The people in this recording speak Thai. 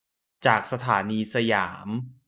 จากสถานีสยาม